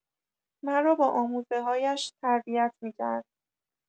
مرا با آموزه‌هایش تربیت می‌کرد.